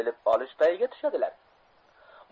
bilib olish payiga tushadilar